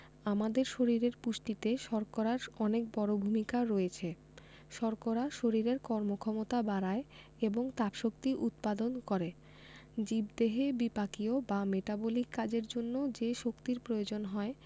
আমাদের শরীরের পুষ্টিতে শর্করার অনেক বড় ভূমিকা রয়েছে শর্করা শরীরের কর্মক্ষমতা বাড়ায় এবং তাপশক্তি উৎপাদন করে জীবদেহে বিপাকীয় বা মেটাবলিক কাজের জন্য যে শক্তির প্রয়োজন হয়